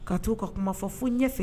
Ka to u ka kuma fɔ fo ɲɛfɛ